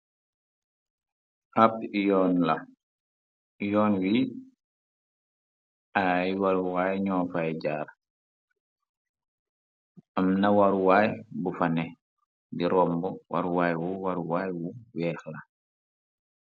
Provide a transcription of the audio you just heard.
Ab yoon la, yoon wi ay waruwaay ñoo fay jaar, am na waruwaay bufa ne di romb, waruwaay wu, waruwaay wu weex la.